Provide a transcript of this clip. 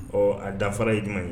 Ɔ a dafara ye ɲuman ye?